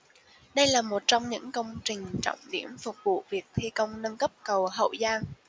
đây là một trong những công trình trọng điểm phục vụ việc thi công nâng cấp cầu hậu giang